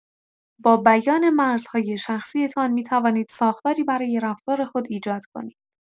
با بیان مرزهای شخصی‌تان می‌توانید ساختاری برای رفتار خود ایجاد کنید.